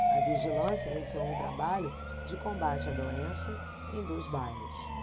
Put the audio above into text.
a vigilância iniciou um trabalho de combate à doença em dois bairros